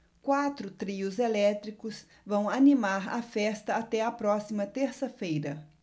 quatro trios elétricos vão animar a festa até a próxima terça-feira